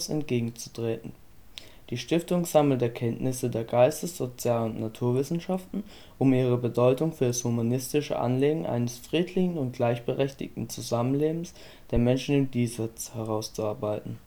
entgegenzutreten. Die Stiftung sammelt Erkenntnisse der Geistes -, Sozial - und Naturwissenschaften, um ihre Bedeutung für das humanistische Anliegen eines „ friedlichen und gleichberechtigten Zusammenlebens der Menschen im Diesseits “herauszuarbeiten